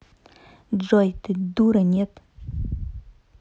джой ты дура нет